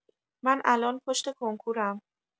من الان پشت کنکورم